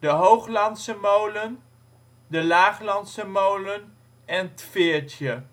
Hooglandse Molen Laaglandse Molen ' t Veertje